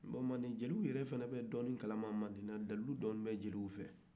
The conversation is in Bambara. bon mande jeliw yɛrɛ fana bɛ dɔɔni kalama mande la dalilu dɔɔni bɛ jeliw fɛ